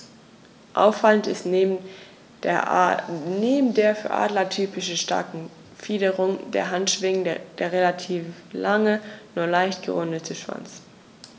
Auffallend ist neben der für Adler typischen starken Fingerung der Handschwingen der relativ lange, nur leicht gerundete Schwanz.